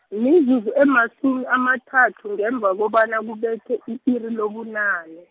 mizuzu emasumi amathathu ngemva kobana kubethe i-iri lobunane.